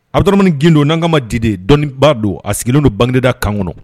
Abuduramani gindo n'an k'a ma Dide dɔnnibaa don, a sigilen don Baguineda camp kɔnɔ.